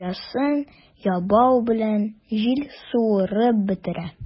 Морҗасын ябу белән, җил суырып бетерә.